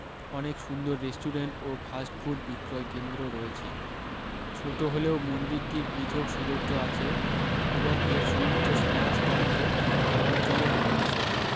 অনেক সুন্দর রেস্টুরেন্ট ও ফার্স্ট ফুড বিক্রয় কেন্দ্র রয়েছে ছোট হলেও মন্দিরটির পৃথক সুদর্য আছে এবং এর সুউচ্চ সাদা স্তম্ভ গ্রামাঞ্চলের নির্দেশক